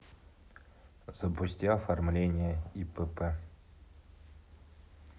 запусти оформление ипп